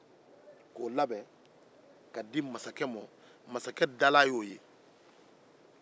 masakɛ dalan y'o ye